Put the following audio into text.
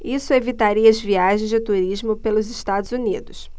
isso evitaria as viagens de turismo pelos estados unidos